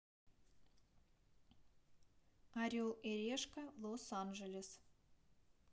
орел и решка лос анджелес